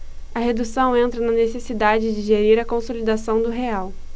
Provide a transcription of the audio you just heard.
a redução entra na necessidade de gerir a consolidação do real